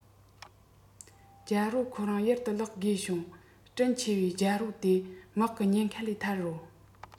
རྒྱལ པོ ཁོ རང ཡུལ དུ ལོག དགོས བྱུང དྲིན ཆི བའི རྒྱལ པོ དེ དམག གི ཉེན ཁ ལས ཐར རོ